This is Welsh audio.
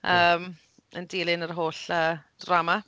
Yym, yn dilyn yr holl yy drama.